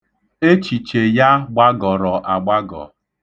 Echiche ya gbagọrọ agbagọ.